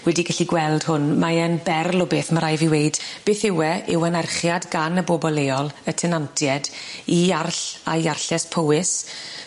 wedi gellu gweld hwn mae e'n berl o beth ma' rai' fi weud beth yw e yw anerchiad gan y bobol leol y tenantied i Iarll a Iarlles Powys